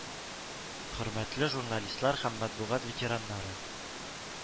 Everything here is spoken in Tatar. Хөрмәтле журналистлар һәм матбугат ветераннары